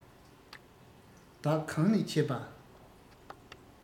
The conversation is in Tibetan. བདག གང ནས ཆས པ